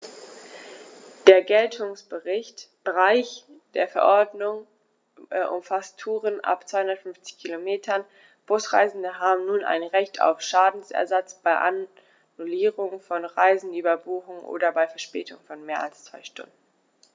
Der Geltungsbereich der Verordnung umfasst Touren ab 250 Kilometern, Busreisende haben nun ein Recht auf Schadensersatz bei Annullierung von Reisen, Überbuchung oder bei Verspätung von mehr als zwei Stunden.